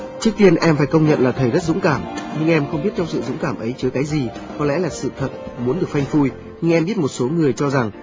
trước tiên em phải công nhận là thầy rất dũng cảm nhưng em không biết trong sự dũng cảm ấy chứa cái gì có lẽ là sự thật muốn được phanh phui nhưng em biết một số người cho rằng